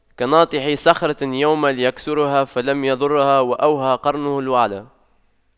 كناطح صخرة يوما ليكسرها فلم يضرها وأوهى قرنه الوعل